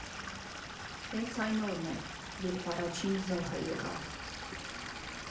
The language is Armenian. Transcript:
Հենց այն օրն էր, երբ առաջին զոհը եղավ։